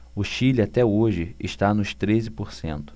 o chile até hoje está nos treze por cento